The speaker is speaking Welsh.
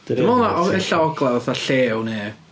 Dwi'n meddwl 'na ella ogla fatha llew neu...